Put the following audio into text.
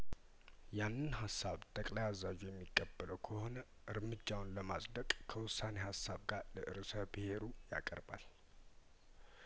ያንን ሀሳብ ጠቅላይ አዛዡ የሚቀበለው ከሆነ እርምጃውን ለማጽደቅ ከውሳኔ ሀሳብ ጋር ለርእሰ ብሄሩ ያቀርባል